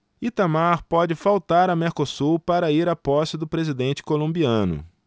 itamar pode faltar a mercosul para ir à posse do presidente colombiano